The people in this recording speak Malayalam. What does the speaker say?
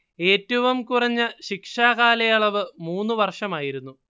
ഏറ്റവും കുറഞ്ഞ ശിക്ഷാ കാലയളവ് മൂന്നു വർഷമായിരുന്നു